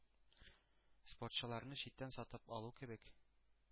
Спортчыларны читтән сатып алу кебек